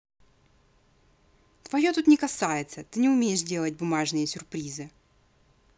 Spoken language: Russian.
твое тут не касается ты не умеешь сделать бумажные сюрпризы